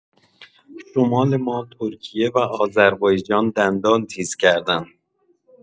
شمال ما ترکیه و آذربایجان دندان تیز کردن